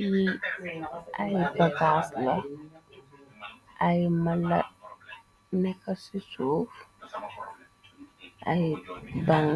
Yii ay bagas la, ay mala nekka ci suuf, ay bang